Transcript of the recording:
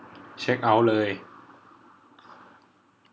เช็คเอ้าท์เลย